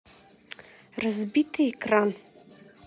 разбитый экран